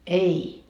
ei